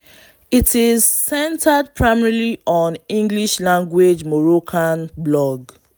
It is centered primarily on English language Moroccan blogs.